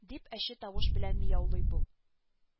Дип әче тавышы белән мияулый бу